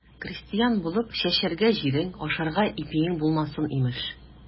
Крестьян булып, чәчәргә җирең, ашарга ипиең булмасын, имеш.